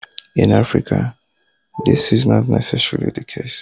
In Africa, this is not necessarily the case.